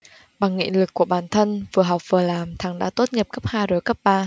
bằng nghị lực của bản thân vừa học vừa làm thắng đã tốt nghiệp cấp hai rồi cấp ba